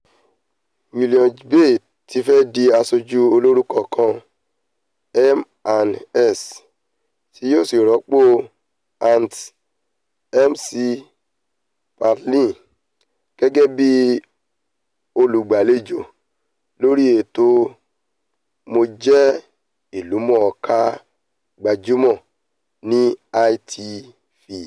Willioughby tifẹ di aṣojú olorúkọ kan fún M&S tí yóò sì rọ́pò Ant McPartlin gẹgẹ bíi olùgbàlejò lórí ètò Mo jẹ́ Ìlúmọ̀ńká Gbajúmọ̀ ni ITV.